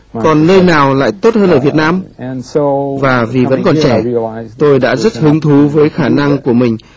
còn nơi nào lại tốt hơn ở việt nam và vì vẫn còn trẻ tôi đã rất hứng thú với khả năng của mình